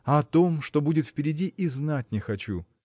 а о том, что будет впереди, и знать не хочу.